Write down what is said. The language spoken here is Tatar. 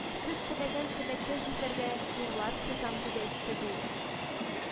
Сез теләгән теләккә җитәргә юллар сызам, — дип әйтте, ди